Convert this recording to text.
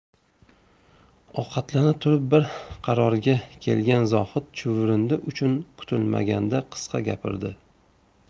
ovqatlana turib bir qarorga kelgan zohid chuvrindi uchun kutilmaganda qisqa gapirdi